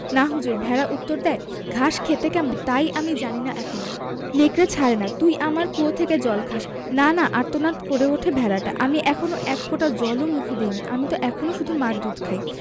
না হুজুর ভেড়া উত্তর দ্যায় ঘাস খেতে কেমন তাই আমি জানি না এখনো নেকড়ে ছাড়ে না তুই আমার কুয়ো থেকে জল খাস না না আর্তনাদ করে ওঠে ভেড়াটা আমি এখনো এক ফোঁটা জল ও মুখে দিইনি আমি ত এখনো শুধু মার দুধ খাই